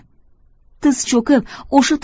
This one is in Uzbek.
tiz cho'kib o'sha